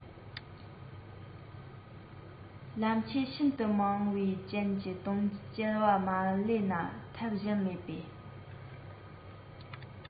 ལམ ཆས ཤིན ཏུ མང བའི རྐྱེན གྱི དོས སྐྱེལ བ མ གླས ན ཐབས གཞན མེད པས